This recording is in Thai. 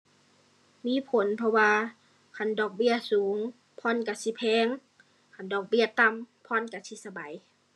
มีผลเพราะว่า คันดอกเบี้ยสูงผ่อนก็สิแพง คันดอกเบี้ยต่ำผ่อนก็สิสบาย